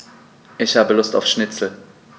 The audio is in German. Ich habe Lust auf Schnitzel.